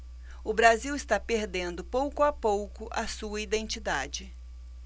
o brasil está perdendo pouco a pouco a sua identidade